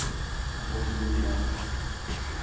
hann tolir so lítið av